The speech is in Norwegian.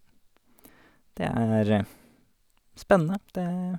Det er spennende, det...